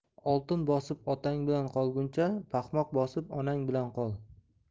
oltin boslui otang bilan qolguncha paxmoq bosbji onang bilan qol